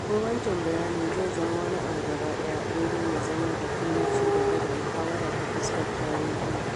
Ko wancan bayanin zai zama wani abu gaba ɗaya daidai ya zama batun na ci gaba da mahawara ta fuskar tarihi.